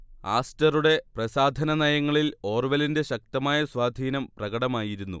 ആസ്റ്ററുടെ പ്രസാധനനയങ്ങളിൽ ഓർവെലിന്റെ ശക്തമായ സ്വാധീനം പ്രകടമായിരുന്നു